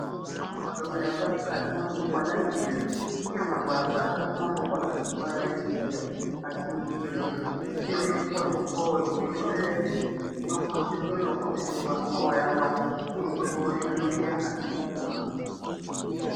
Mo rí àwọn ọ̀dọ́ Madagascar tí wọ́n kópa láì bẹ̀rù, tí àwọn agbààgbà tí wọ́n mọ pátàkì ìbára-ẹni-sọ̀rọ̀ àti iṣèròyìn tí ò ní kọ́nu-kọ́họ sí orílẹ̀ èdè tó ń fojú sọ́nà fún ìjọba àwarawa sì ń fún wọn ní kóríyá àti ímòràn.